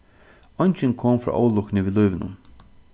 eingin kom frá ólukkuni við lívinum